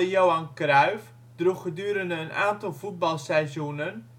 Johan Cruijff droeg gedurende een aantal voetbalseizoenen